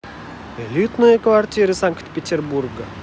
элитные квартиры санкт петербург